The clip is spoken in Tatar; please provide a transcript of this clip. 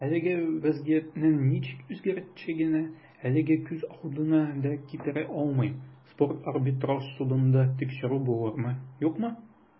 Әлеге вәзгыятьнең ничек үзгәрәчәген әлегә күз алдына да китерә алмыйм - спорт арбитраж судында тикшерү булырмы, юкмы.